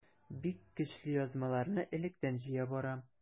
Бик көчле язмаларны электән җыя барам.